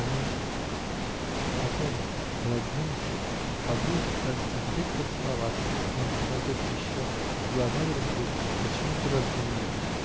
потом, пододвинувшись поближе, кажется, хотели поцеловаться, но, посмотрев еще в глаза друг другу, почему-то раздумали.